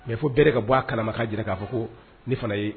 Mɛ fɔ bere ka bɔ a kalamakan jira k'a fɔ ko ne fana ye